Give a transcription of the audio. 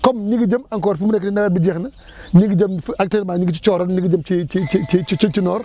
comme ñu ngi jëm encore fu mu nekk nii nawet bi jeex na ñu ngi jëm actuellement ñu ngi ci cooroon ñu ngi jëm ci ci ci ci ci noor